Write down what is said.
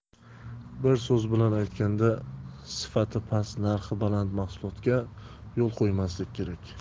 bir so'z bilan aytganda sifati past narxi baland mahsulotga yo'l qo'ymaslik kerak